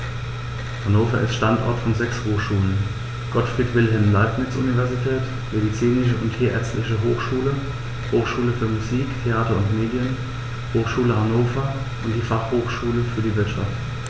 Hannover ist Standort von sechs Hochschulen: Gottfried Wilhelm Leibniz Universität, Medizinische und Tierärztliche Hochschule, Hochschule für Musik, Theater und Medien, Hochschule Hannover und die Fachhochschule für die Wirtschaft.